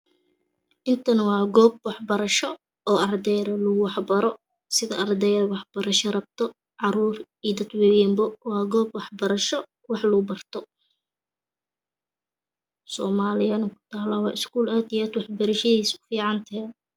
Intana waa goob waxbarasho oo arday lagu wax baro sida ardayda wax barasho rabta caruurta iyo dad waa weynba waa goob wax lagu baro. Soomaaliyana ku taal waa school aad iyo aad waxbarashadiida u fiican tahay